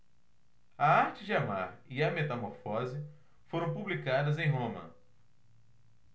a arte de amar e a metamorfose foram publicadas em roma